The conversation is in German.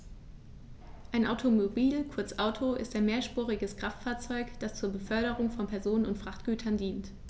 Ein Automobil, kurz Auto, ist ein mehrspuriges Kraftfahrzeug, das zur Beförderung von Personen und Frachtgütern dient.